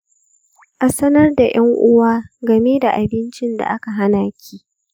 a sanar da ‘yan uwa game da abincin da aka hana ki.